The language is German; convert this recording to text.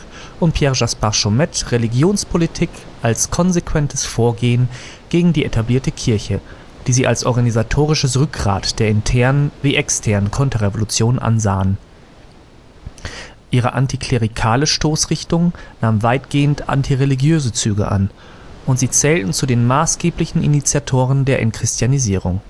und Pierre Gaspard Chaumette Religionspolitik als konsequentes Vorgehen gegen die etablierte Kirche, die sie als organisatorisches Rückgrat der internen wie externen Konterrevolution ansahen. Ihre antiklerikale Stoßrichtung nahm weitgehend antireligiöse Züge an, und sie zählten zu den maßgeblichen Initiatoren der Entchristianisierung